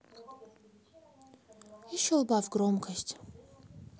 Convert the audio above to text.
еще убавь громкость